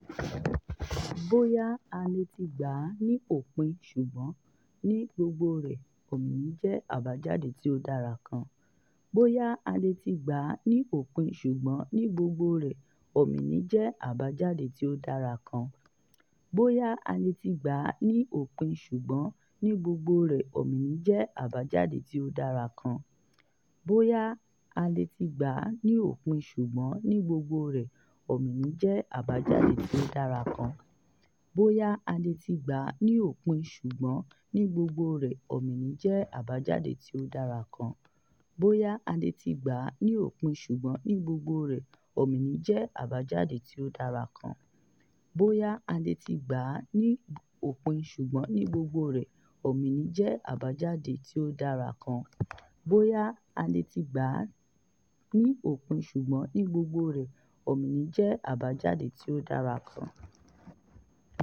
Bóyá a lè ti gbà á ní òpin ṣùgbọ́n, ní gbogbo rẹ̀, ọ̀mìnì jẹ́ àbájáde tí ó dára kan.